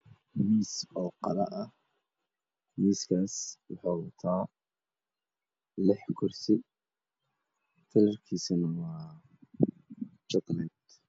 Waa qol waxaa yaalo miisas iyo kuraas oo midabkoodii yihiin dhulku waa midow